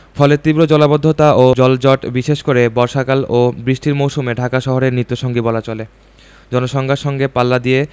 ফলে তীব্র জলাবদ্ধতা ও জলজট বিশেষ করে বর্ষাকাল ও বৃষ্টির মৌসুমে ঢাকা শহরের নিত্যসঙ্গী বলা চলে জনসংখ্যার সঙ্গে পাল্লা দিয়ে